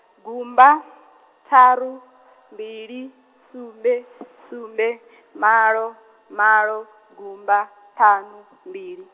gumba, ṱharu, mbili, sumbe , sumbe, malo, malo, gumba, ṱhanu, mbili.